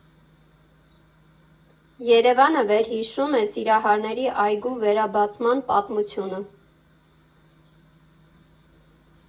ԵՐԵՎԱՆը վերհիշում է Սիրահարների այգու վերաբացման պատմությունը։